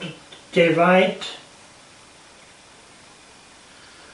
D- defaid?